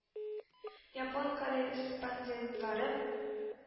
Япон корреспондентлары